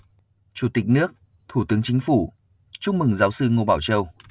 chủ tịch nước thủ tướng chính phủ chúc mừng giáo sư ngô bảo châu